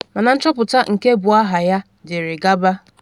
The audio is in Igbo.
Mana nchọpụta nke bu aha ya dịịrị gaba.